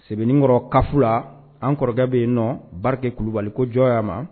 Sɛbɛnnenkɔrɔ kaf la an kɔrɔkɛ bɛ yen nɔ barikake kulubalikojɔya ma